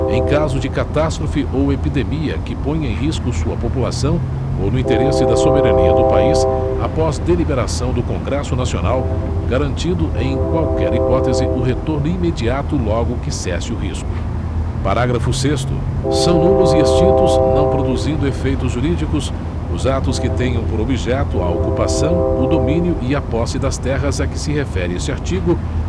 em caso de catástrofe ou epidemia que ponha em risco sua população ou no interesse da soberania do país após deliberação do congresso nacional garantido em qualquer hipótese o retorno imediato logo que cesse o risco parágrafo sexto são nulos e extintos não produzindo efeitos jurídicos os atos que tenham por objeto a ocupação o domínio e a posse das terras a que se refere este artigo